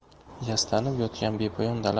yastanib yotgan bepoyon dala